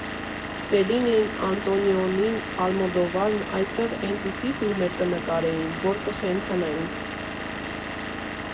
Ֆելինին, Անտոնիոնին, Ալմոդովարն այստեղ էնպիսի ֆիլմեր կնկարեին, որ կխենթանայինք։